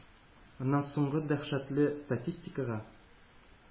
Аннан соңгы дәһшәтле статистикага,